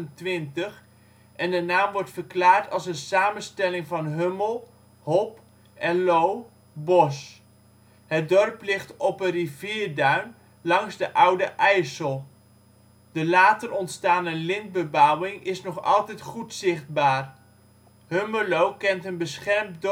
828, en de naam wordt verklaard als een samenstelling van hummel (hop) en lo (bos). Het dorp ligt op een rivierduin langs de Oude IJssel. De later ontstane lintbebouwing is nog altijd goed zichtbaar. Hummelo kent een beschermd dorpsgezicht